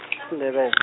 Ndebe- .